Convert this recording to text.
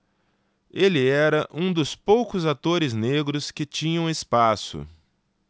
ele era um dos poucos atores negros que tinham espaço